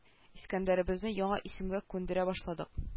Искәндәребезне яңа исемгә күндерә башладык